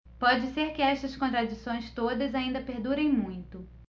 pode ser que estas contradições todas ainda perdurem muito